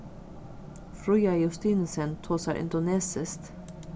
fríða justinussen tosar indonesiskt